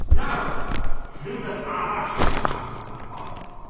Nawr rhywbeth arall fi isie siarad amdano...